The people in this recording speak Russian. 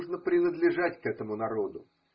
нужно принадлежать к этому народу.